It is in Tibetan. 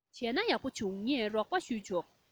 བྱས ན ཡག པོ བྱུང ངས རོགས པ བྱས ཆོག